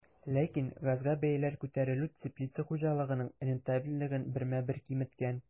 Ләкин газга бәяләр күтәрелү теплица хуҗалыгының рентабельлеген бермә-бер киметкән.